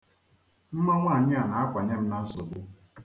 Mma nwaanyi a na-akwanye m na nsogbu.